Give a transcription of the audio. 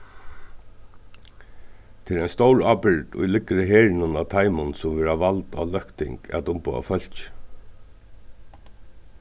tað er stór ábyrgd ið liggur á herðunum á teimum sum verða vald á løgting at umboða fólkið